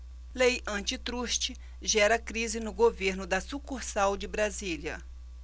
lei antitruste gera crise no governo da sucursal de brasília